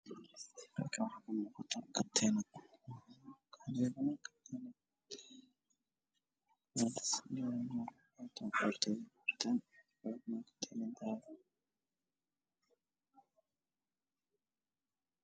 Waa katiin midab kiisu yahay dahabi